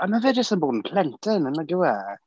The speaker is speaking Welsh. A mae fe jyst yn bod yn plentyn, nag yw e?